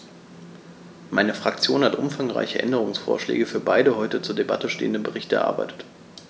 Meine Fraktion hat umfangreiche Änderungsvorschläge für beide heute zur Debatte stehenden Berichte erarbeitet.